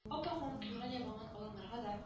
Ап-ак мамык юрган ябынган аланнаргада